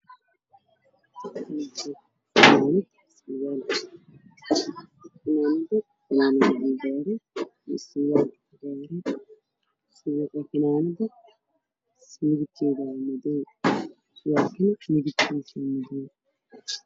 Qameesaka midabkeeduyahay madaw oo